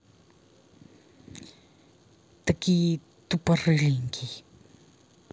такие тупорыленький